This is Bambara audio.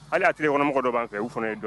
Hali y a hakili kɔnɔmɔgɔ dɔ'a kɛ u fana ye